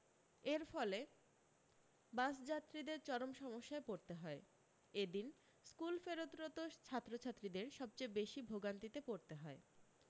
এর ফলে বাসযাত্রীদের চরম সমস্যায় পড়তে হয় এদিন স্কুল ফেরতরত ছাত্রছাত্রীদের সবচেয়ে বেশী ভোগান্তিতে পড়তে হয়